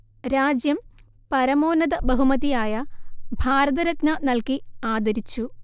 രാജ്യം പരമോന്നത ബഹുമതിയായ ഭാരതരത്ന നൽകി ആദരിച്ചു